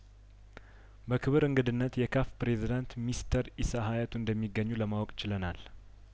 በክብር እንግድነት የካፍ ፕሬዚዳንት ሚስተር ኢሳ ሀያቱ እንደሚገኙ ለማወቅ ችለናል